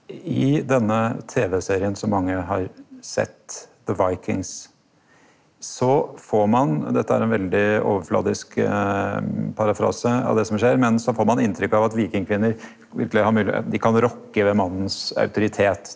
i denne tv-serien som mange har sett, The Vikings, så får ein dette er ein veldig overflatisk parafrase av det som skjer men så får ein inntrykk av at vikingkvinner verkeleg har dei kan rokka ved mannens autoritet.